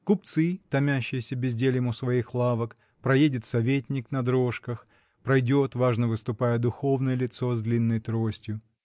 Купцы, томящиеся бездельем у своих лавок, проедет советник на дрожках, пройдет, важно выступая, духовное лицо с длинной тростью.